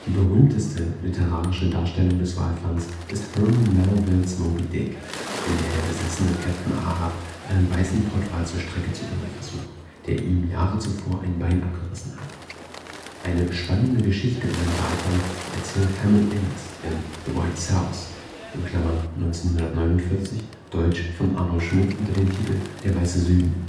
berühmteste literarische Darstellung des Walfangs ist Herman Melvilles Moby Dick, in der der besessene Kapitän Ahab einen weißen Pottwal zur Strecke zu bringen versucht, der ihm Jahre zuvor ein Bein abgerissen hat. Eine spannende Geschichte um den Walfang erzählt Hammond Innes in The White South (1949, dt. von Arno Schmidt unter dem Titel Der weiße Süden